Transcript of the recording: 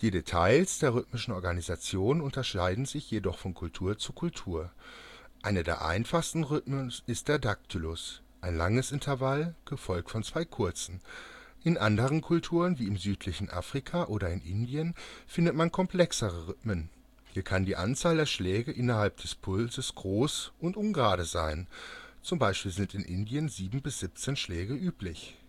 Details der rhythmischen Organisation unterscheiden sich jedoch von Kultur zu Kultur. Einer der einfachsten Rhythmen ist der Daktylus (ein langes Intervall, gefolgt von zwei kurzen); in anderen Kulturen wie im südlichen Afrika oder in Indien findet man komplexere Rhythmen - hier kann die Anzahl der Schläge innerhalb des Pulses groß und ungerade sein, z.B. sind in Indien 7 bis 17 Schläge üblich